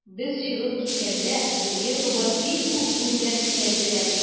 Без чыгып киткәндә, безгә таба бик күп күзләр текәлделәр.